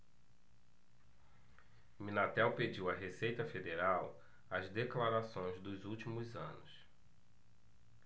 minatel pediu à receita federal as declarações dos últimos anos